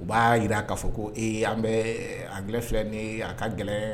U b'a jira k'a fɔ ko ee an bɛ an g filɛ ni a ka gɛlɛn